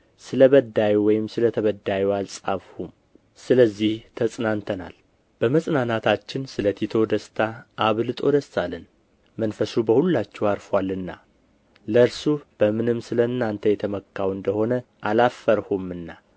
ስለ በዳዩ ወይም ስለ ተበዳዩ አልጻፍሁም ስለዚህ ተጽናንተናል በመጽናናታችንም ስለ ቲቶ ደስታ አብልጦ ደስ አለን መንፈሱ በሁላችሁ ዐርፎአልና ለእርሱ በምንም ስለ እናንተ የተመካሁ እንደ ሆነ አላፈርሁምና